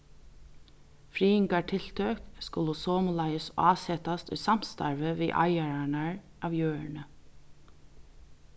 friðingartiltøk skulu somuleiðis ásetast í samstarvi við eigararnar av jørðini